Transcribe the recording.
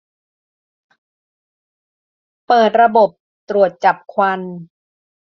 เปิดระบบตรวจจับควัน